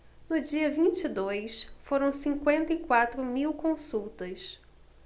no dia vinte e dois foram cinquenta e quatro mil consultas